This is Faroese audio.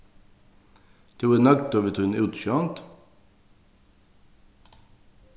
tú ert nøgdur við tína útsjónd